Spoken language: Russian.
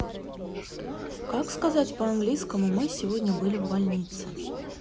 как сказать по английскому мы сегодня были в больнице